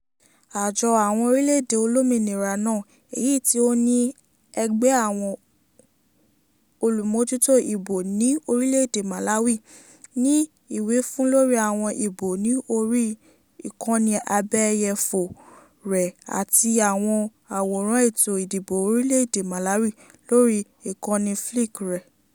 Àjọ àwọn orílẹ̀ èdè olómìnira náà, èyí tí ó ní ẹgbẹ́ àwọn olùmójútó ìbò ní orílẹ̀ èdè Malawi, ní ìwífún lórí àwọn ìbò ní orí ìkànnì abẹ́yẹfò rẹ̀ àti àwọn àwòrán ètò ìdìbò orílẹ̀ èdè Malawi lórí ìkànnì Flickr rẹ̀.